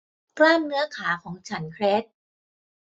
กล้ามเนื้อขาของฉันเคล็ด